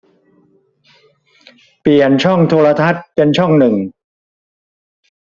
เปลี่ยนช่องโทรทัศน์เป็นช่องหนึ่ง